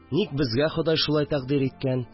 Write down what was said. Ник безгә Ходай шулай тәкъдир иткән